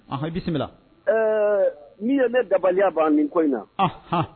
A haji bisimila ɛɛ min ye ne dabaliya b' ni ko in naɔn